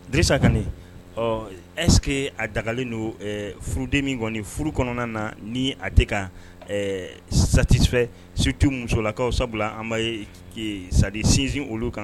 Disa ka ɛske a dagalen don furudenmi kɔniɔni furu kɔnɔna na ni a tɛ ka satifɛ sutu musolakaw sabula anba ye sadi sinsin olu kan